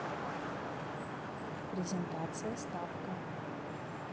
презентация ставка